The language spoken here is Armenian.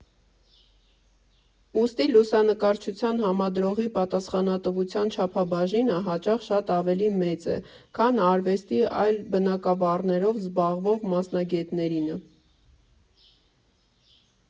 Ուստի, լուսանկարչության համադրողի պատասխանատվության չափաբաժինը հաճախ շատ ավելի մեծ է, քան արվեստի այլ բնագավառներով զբաղվող մասնագետներինը։